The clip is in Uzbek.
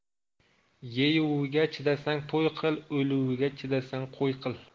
yeyuviga chidasang to'y qil o'luviga chidasang qo'y qil